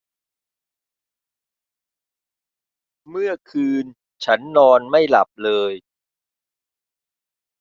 เมื่อคืนฉันนอนไม่หลับเลย